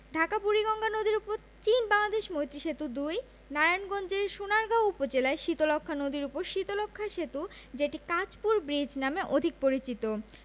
ঢাকায় বুড়িগঙ্গা নদীর উপর চীন বাংলাদেশ মৈত্রী সেতু ২ নারায়ণগঞ্জের সোনারগাঁও উপজেলায় শীতলক্ষ্যা নদীর উপর শীতলক্ষ্যা সেতু যেটি কাঁচপুর ব্রীজ নামে অধিক পরিচিত